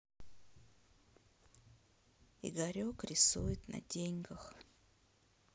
игорек рисует на деньгах